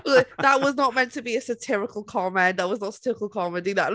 That was not meant to be a satirical comment, that was not satirical comedy...